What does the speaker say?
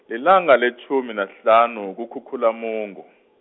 lilanga letjhumi nahlanu kuKhukhulamungu.